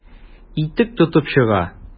Итек тотып чыга.